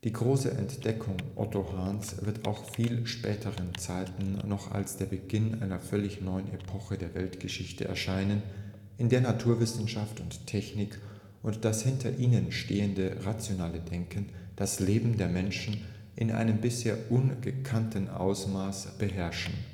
große Entdeckung Otto Hahns wird auch in viel späteren Zeiten noch als der Beginn einer völlig neuen Epoche der Weltgeschichte erscheinen, in der Naturwissenschaft und Technik, und das hinter ihnen stehende rationale Denken das Leben der Menschen in einem bisher ungekannten Ausmaß beherrschen